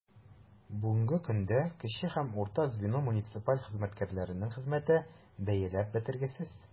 Бүгенге көндә кече һәм урта звено муниципаль хезмәткәрләренең хезмәте бәяләп бетергесез.